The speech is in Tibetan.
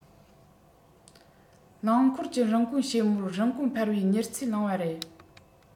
རླངས འཁོར གྱི རིན གོང དཔྱད མོལ རིན གོང འཕར བའི མྱུར ཚད གླེང པ རེད